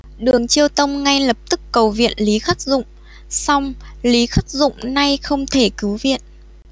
đường chiêu tông ngay lập tức cầu viện lý khắc dụng song lý khắc dụng nay không thể cứu viện